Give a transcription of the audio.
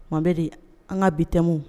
Mobe de an ka bi temu